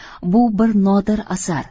bu bir nodir asar